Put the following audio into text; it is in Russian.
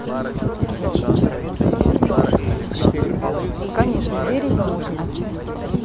конечно верить можно